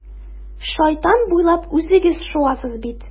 Шайтан буйлап үзегез шуасыз бит.